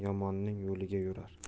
yomonning yo'liga yurar